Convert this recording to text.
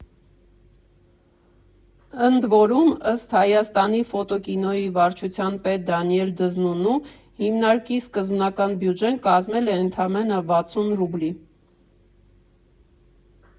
Ընդ որում, ըստ Հայաստանի ֆոտո֊կինոյի վարչության պետ Դանիել Դզնունու, հիմնարկի սկզբնական բյուջեն կազմել է ընդամենը վաթսուն ռուբլի։